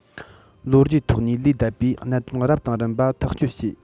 ལོ རྒྱུས ཐོག ནས ལུས བསྡད པའི གནད དོན རབ དང རིམ པ ཐག གཅོད བྱས